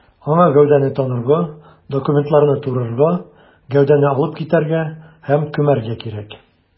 Аңа гәүдәне танырга, документларны турырга, гәүдәне алып китәргә һәм күмәргә кирәк.